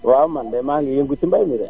waaw man de maa ngi yëngu ci mbay mi de